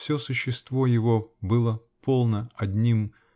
Все существо его было полно одним.